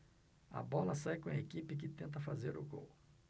a bola sai com a equipe que tenta fazer o gol